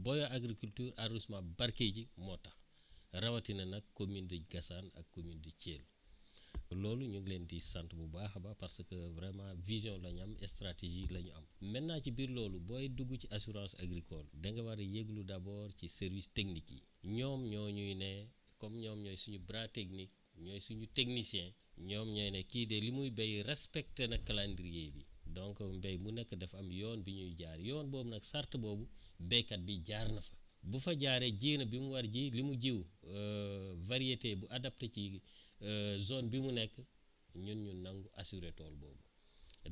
booy wax agriculture arrondissement bu Barkedie moo tax rawatina nag commune de Diassane ak commune de Thièl loolu ñu ngi leen di sant bu baax a baax parce que vraiment vision la ñu am stratégie la ñu am maintenant ci biir loolu booy dugg ci assurance agricole da nga war a yëglu d' abord ci service technique yi ñoom ñoo ñuy ne comme ñoom ñooy suñu bras technique ñooy suñu technicien ñoom ñooy ne kii de li muy béy respecté na calendrier bi donc mbéy mu nekk dafa am yoon bi ñuy jaar yoon boobu nag charte boobu béykat bi jaar na fa bu fa jaaree ji na li mu war a ji li mu jiw variété bu adaptée ci zone bi mu nekk ñun ñu nangu assuré tool boobu